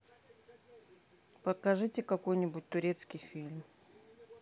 покажите какой нибудь турецкий фильм